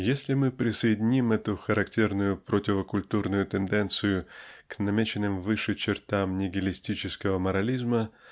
Если мы присоединим эту характерную противокуль-турную тенденцию к намеченным выше чертам нигилистического морализма